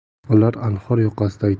ular anhor yoqasidagi